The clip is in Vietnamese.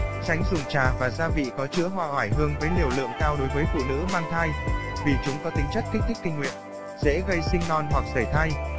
tuy nhiên tránh dùng trà và gia vị có chứa hoa oải hương với liều lượng cao đối với phụ nữ mang thai vì chúng có tính chất kích thích kinh nguyệt dễ gây sinh non hoặc sẩy thai